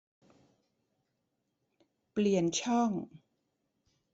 เปลี่ยนช่อง